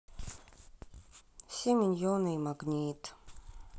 все миньоны в магнит